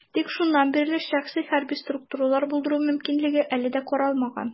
Тик шуннан бирле шәхси хәрби структуралар булдыру мөмкинлеге әле дә каралмаган.